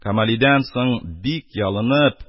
Камалидан соң, бик ялынып,